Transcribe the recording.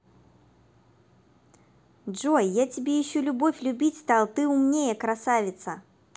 джой я тебе еще любовь любить стал ты умнее красавица